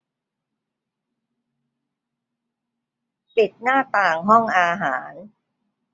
ปิดหน้าต่างห้องอาหาร